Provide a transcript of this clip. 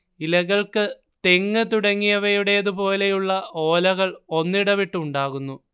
ഇലകൾക്ക് തെങ്ങ് തുടങ്ങിയവയുടേതുപോലെയുള്ള ഓലകൾ ഒന്നിടവിട്ട് ഉണ്ടാകുന്നു